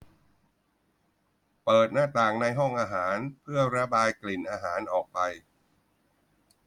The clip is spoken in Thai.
เปิดหน้าต่างในห้องอาหารเพื่อระบายกลิ่นอาหารออกไป